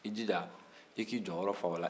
i jija i k'i jɔyɔrɔ fa o la dɛ